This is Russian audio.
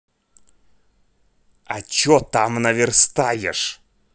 а че там наверстаешь